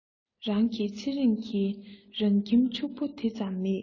རང གི ཚེ རིང གི རང ཁྱིམ ཕྱུག པོ དེ ཙམ མེད